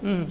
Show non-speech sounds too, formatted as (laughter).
(hesitation)